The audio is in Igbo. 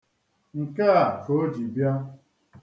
Nke a ka o ji bịa.